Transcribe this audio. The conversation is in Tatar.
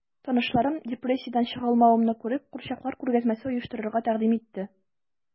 Танышларым, депрессиядән чыга алмавымны күреп, курчаклар күргәзмәсе оештырырга тәкъдим итте...